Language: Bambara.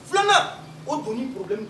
2 nan o donni problème